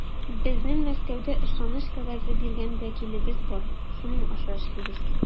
Безнең Мәскәүдә ышаныч кәгазе биргән вәкилебез бар, шуның аша эшлибез.